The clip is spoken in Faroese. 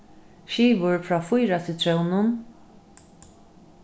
skivur frá fýra sitrónum